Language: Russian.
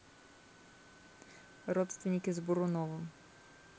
родственники с буруновым